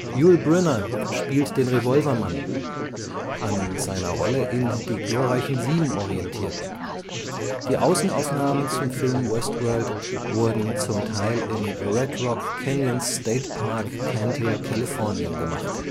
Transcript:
Yul Brynner spielt den Revolvermann – an seiner Rolle in Die glorreichen Sieben (1960) orientiert. Die Außenaufnahmen zum Film Westworld wurden zum Teil im Red Rock Canyon State Park, Cantil, Kalifornien gemacht